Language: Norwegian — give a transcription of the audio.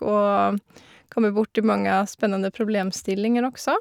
Og kommer borti mange spennende problemstillinger også.